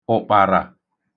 ụ̀kpàrà